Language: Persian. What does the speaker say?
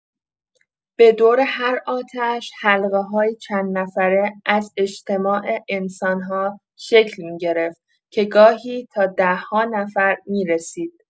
به دور هر آتش حلقه‌هایی چندنفره از اجتماع انسان‌ها شکل می‌گرفت که گاهی تا ده‌ها نفر می‌رسید.